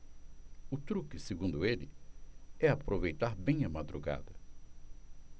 o truque segundo ele é aproveitar bem a madrugada